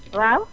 waaw